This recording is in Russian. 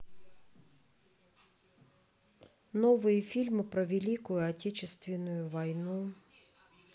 новые фильмы про великую отечественную войну